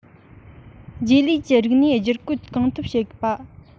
རྗེས ལུས ཀྱི རིག གནས བསྒྱུར བཀོད གང ཐུབ བྱེད པ